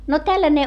no tällainen